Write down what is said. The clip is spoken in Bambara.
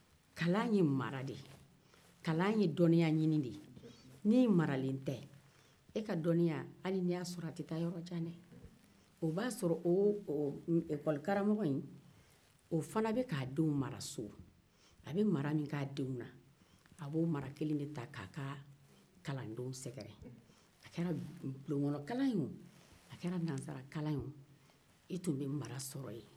kalan ye dɔnniyaɲini de ye ni e maralen tɛ e ka dɔnniya hali ni i y'a sɔrɔ a tɛ taa yɔrojan dɛɛ o b'a sɔrɔ o ɛkɔlikaramɔgɔ in o fana bɛ ka a denw mara so a bɛ mara min kɛ a denw na a b'o mara kelen de ta k'a ka kalandenw sɛgɛrɛ a kɛra bulonkɔnɔkalan ye woo a kɛra nazarakalan ye woo i tun bɛ mara sɔrɔ yen